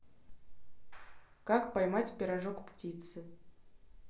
как поймать пирожок птицы